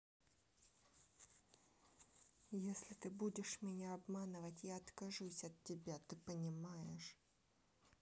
если ты будешь меня обманывать я откажусь от тебя ты понимаешь